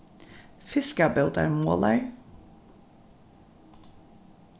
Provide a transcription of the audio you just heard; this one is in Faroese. fiskabótarmolar